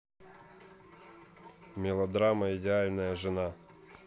мелодрама идеальная жена